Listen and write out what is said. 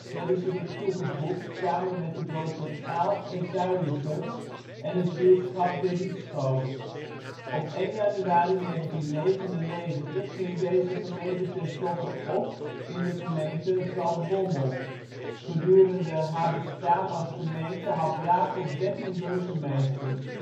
werden ze weer toegevoegd, samen met de de dorpen Aalst en Zuilichem en het buurtschap De Rietschoof. Op 1 januari 1999 ging deze gemeente tenslotte op in de gemeente Zaltbommel. Gedurende haar bestaan als gemeente had Brakel dertien burgemeesters